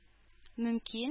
Мөмкин